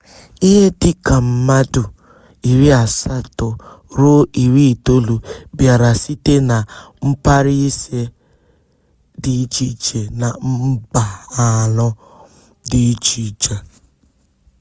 Ihe dịka mmadụ 80 ruo 90 bịara site na mpaghara 5 dị iche iche na mba 4 dị iche iche.